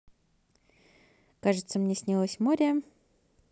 кажется мне снилось море